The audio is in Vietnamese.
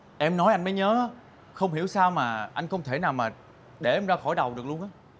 em nói anh mới nhớ á không hiểu sao mà anh không thể nào mà để em ra khỏi đầu được luôn á